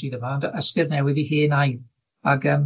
sydd yma ond ystyr newydd i hen air ag yym